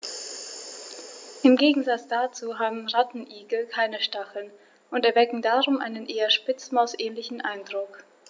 Im Gegensatz dazu haben Rattenigel keine Stacheln und erwecken darum einen eher Spitzmaus-ähnlichen Eindruck.